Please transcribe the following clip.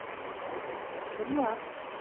Чынлап!